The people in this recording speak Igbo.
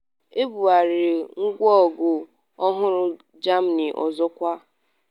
Ebugharịrị ngwa ọgụ ọhụrụ Germany ọzọkwa